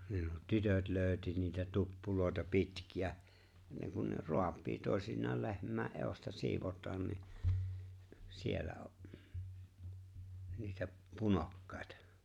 nuo tytöt löysi niitä tuppuja pitkiä niin kun ne raapii toisinaan lehmän edusta sidotaan niin siellä on niitä punokkaita